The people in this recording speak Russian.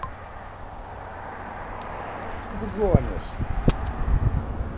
что ты гонишь